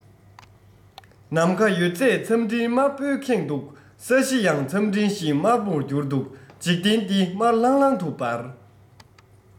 ནམ མཁའ ཡོད ཚད མཚམས སྤྲིན དམར པོའི ཁེངས འདུག ས གཞི ཡང མཚམས སྤྲིན བཞིན དམར པོ གྱུར འདུག འཇིག རྟེན འདི དམར ལྷང ལྷང དུ འབར